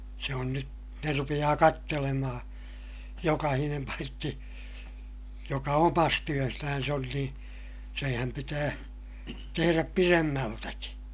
se on nyt ne rupeaa katselemaan jokainen paitsi joka omassa työssään on niin senhän pitää tehdä pidemmältäkin